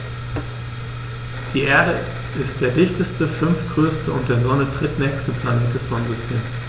Die Erde ist der dichteste, fünftgrößte und der Sonne drittnächste Planet des Sonnensystems.